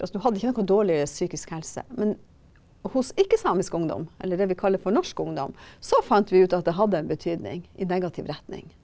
altså du hadde ikke noe dårligere psykisk helse, men hos ikke-samisk ungdom, eller det vi kaller for norsk ungdom, så fant vi ut at det hadde en betydning i negativ retning.